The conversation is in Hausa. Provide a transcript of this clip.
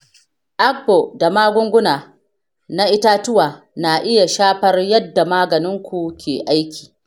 agbo da magunguna na itatuwa na iya shafar yadda maganin ku ke aiki.